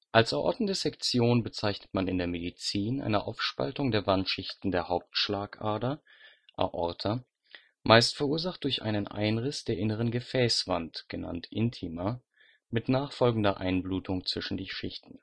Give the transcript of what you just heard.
Als Aortendissektion bezeichnet man in der Medizin eine Aufspaltung der Wandschichten der Hauptschlagader (Aorta), meist verursacht durch einen Einriss der inneren Gefäßwand (Intima) mit nachfolgender Einblutung zwischen die Schichten